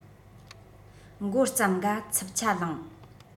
འགོ བརྩམས འགའ འཚུབ ཆ ལངས